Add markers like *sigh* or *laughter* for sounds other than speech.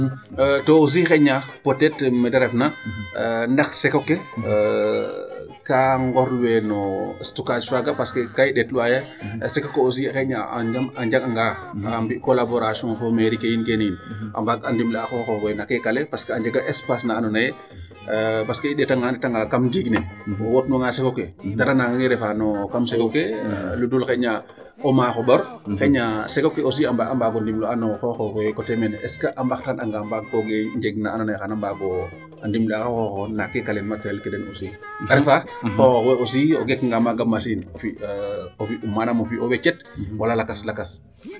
To aussi xayna peut etre mee ta refna ndax seko ke *hesitation* kaa ngorluwee no stockage faag parce que kaa i ɗetluwaa ye seko ke aussi xayna a njangangaa manaam mbi' colaboration fo mairie ke yiin keene yiin a mbaag a ndimle xooxoox we na keek ale parce que espace na ando naye parce que i ndeeta ngaan kaam ndiing ne o woot nuwa seko ke dara naangee refaa kam seko ke ludul xaƴna o maaxo ɓor xayna seko ke aussi a mbar'a mbaago ndimle a xoxoox we no coté leene . Est ce que a mbaxtaananga mbaagkoogee njeg naa andoona yee xana mbaag o a ndimle a xooxoox we *unintelligible* parfois xooxoox we aussi o geekanga ma machine o fi' manaam o fi'o wecet wala lakas lakas.